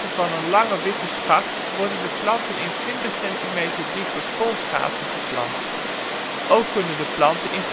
van een lange witte schacht worden de planten in 20cm diepe ponsgaten geplant. Ook kunnen de planten in geulen worden geplant